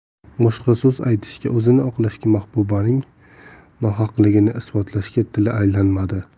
boshqa so'z aytishga o'zini oqlashga mahbubaning nohaqligini isbotlashga tili aylanmadi